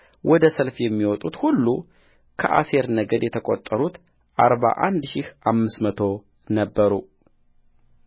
ወደ ሰልፍ የሚወጡት ሁሉከአሴር ነገድ የተቈጠሩት አርባ አንድ ሺህ አምስት መቶ ነበሩ